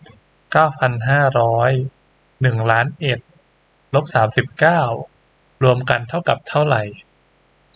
เก้าพันห้าร้อยหนึ่งล้านเอ็ดลบสามสิบเก้ารวมกันเท่ากับเท่าไหร่